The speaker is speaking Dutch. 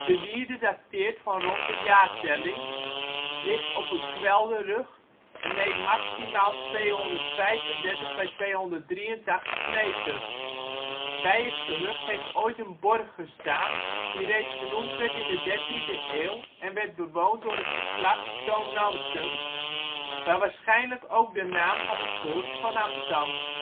wierde dateert van rond de jaartelling, ligt op een kwelderrug en meet maximaal 235 bij 283 meter. Bij het gehucht heeft ooit een borg gestaan die reeds genoemd werd in de 13e eeuw en werd bewoond door het geslacht Tho Nansum, waar waarschijnlijk ook de naam van het gehucht vanaf stamt